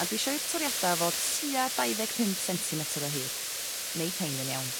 A dwi isio i'r toriada' fod tua dau ddeg pump sentimeter o hyd. neith 'hein yn iawn.